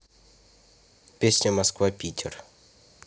песня москва питер